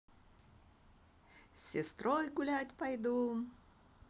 с сестрой гулять пойду